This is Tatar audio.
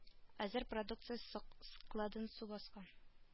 Әзер продукция сакскладын су баскан